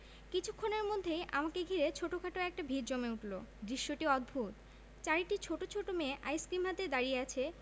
কিছুক্ষণের মধ্যেই আমাদের ঘিরে ছোটখাট একটা ভিড় জমে উঠল দৃশ্যটি অদ্ভুত চারিটি ছোট ছোট মেয়ে আইসক্রিম হাতে দাড়িয়ে আছে